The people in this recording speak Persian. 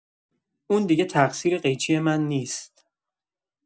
اون دیگه تقصیر قیچی من نیست.